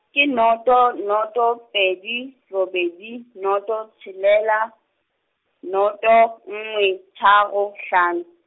ke noto noto pedi robedi noto tshelela, noto nngwe tharo hlano.